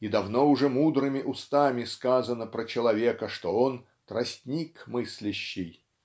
и давно уже мудрыми устами сказано про человека, что он тростник мыслящий.